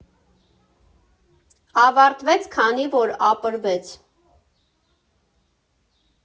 Ավարտվեց, քանի որ ապրվեց։